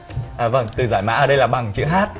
à vâng từ giải mã ở đây là bằng chữ hát